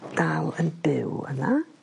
...dal yn byw yna